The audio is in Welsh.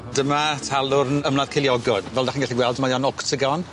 Dyma talwrn a ma' ceiliogod. Fel 'dach chi'n gellu gweld mae o'n octogon.